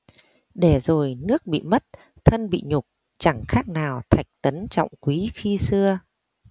để rồi nước bị mất thân bị nhục chẳng khác nào thạch tấn trọng quý khi xưa